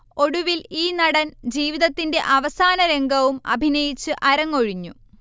ഒടുവിൽ ഈ നടൻ ജീവിതത്തിന്റെ അവസാനരംഗവും അഭിനയിച്ച് അരങ്ങൊഴിഞ്ഞു